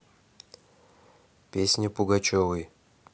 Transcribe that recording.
песня пугачевой